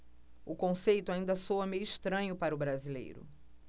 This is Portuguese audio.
o conceito ainda soa meio estranho para o brasileiro